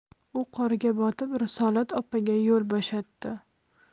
u qorga botib risolat opaga yo'l bo'shatdi